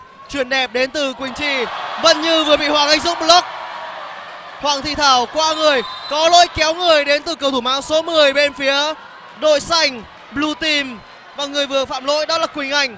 chuyền đẹp đến từ quỳnh chi vận như vừa bị hoàng anh dũng bờ lóc hoàng thị thảo qua người có lỗi kéo người đến từ cầu thủ mang áo số mười bên phía đội xanh bờ lu tim và người vừa phạm lỗi đó là quỳnh anh